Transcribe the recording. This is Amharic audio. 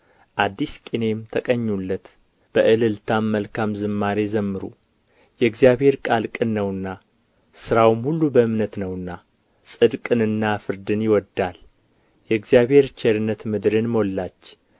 አዲስ ቅኔም ተቀኙለት በእልልታም መልካም ዝማሬ ዘምሩ የእግዚአብሔር ቃል ቅን ነውና ሥራውም ሁሉ በእምነት ነውና ጽድቅንና ፍርድን ይወድዳል የእግዚአብሔር ቸርነት ምድርን ሞላች